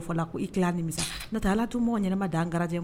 fɔ lami ala gari